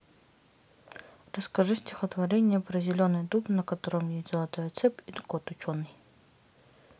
расскажи стихотворение про зеленый дуб на котором есть золотая цепь и кот ученый